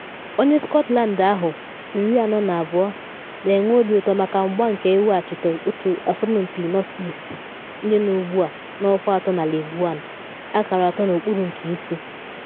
Onye Scotland ahụ, 42, na enwe obi ụtọ maka mgba nke iweghachite otu asọmpi North-East, ndị nọ ugbu a n’ọkwa atọ na League One, akara atọ n’okpuru nke isi.